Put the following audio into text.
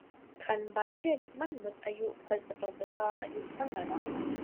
คันบัตรเครดิตมันหมดอายุ ข้อยหมดต้องไปต่ออายุมันละเนาะ